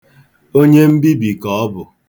Onye mbibi ka ọ bụ.